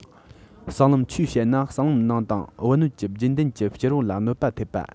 གསང ལམ ཆུས བཤལ ན གསང ལམ ནང དང བུ སྣོད ཀྱི རྒྱུན ལྡན གྱི སྐྱུར བལ ལ གནོད པ ཐེབས པས